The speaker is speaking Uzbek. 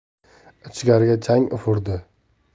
ichkariga chang ufurdi